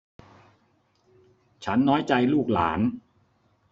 ฉันน้อยใจลูกหลาน